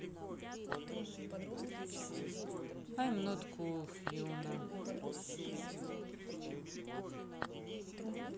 i'm not cool хьюна